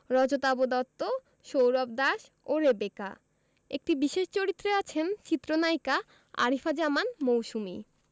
রজতাভ দত্ত সৌরভ দাস ও রেবেকা একটি বিশেষ চরিত্রে আছেন চিত্রনায়িকা আরিফা জামান মৌসুমী